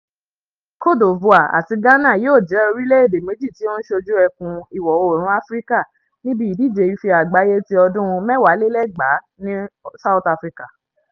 Côte d'Ivoire àti Ghana yóò jẹ́ orílẹ̀-èdè méjì tí ó ń ṣojú ẹkùn Ìwọ̀-oòrùn Áfíríkà níbi ìdíje Ife Àgbáyé ti ọdún 2010 ní South Africa.